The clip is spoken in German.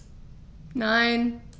Nein.